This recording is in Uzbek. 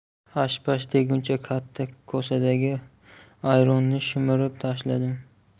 hash pash deguncha katta kosadagi ayronni shimirib tashladim